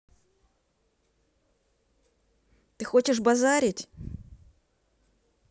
ты хочешь базарить